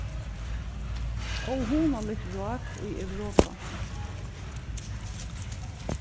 óhugnaligt rák í europa